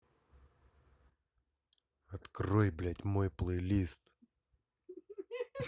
открой блядь мой плейлист